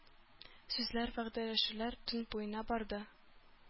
Сүзләр, вәгъдәләшүләр төн буена барды.